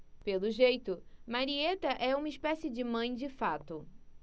pelo jeito marieta é uma espécie de mãe de fato